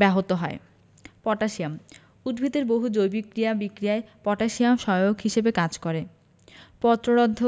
ব্যাহত হবে পটাশিয়াম উদ্ভিদের বহু জৈবিক ক্রিয়া বিক্রিয়ায় পটাশিয়াম সহায়ক হিসেবে কাজ করে পত্ররন্ধ্র